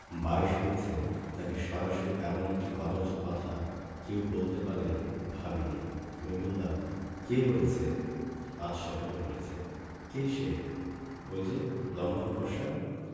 বাইশ হয়েছে তাকে সরাসরি এমন একটি কদৰ্য কথা কেউ বলতে পারে ভাবিনি আমি বললাম কে বলেছে আজ সকালে বলেছে কে সে ঐ যে লম্বা ফর্সা